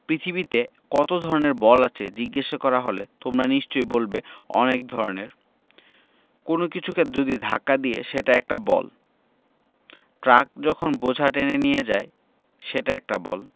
পৃথিবীতে কত ধরনের বল আছে জিজ্ঞেস করা হলে তোমরা নিশ্চয়ই বলবে অনেক ধরনের কোনো কিছুকে যদি ধাক্কা দিই সেটা একটা বল ট্রাক যখন বোঝা টেনে নিয়ে যায় সেটা একটা বল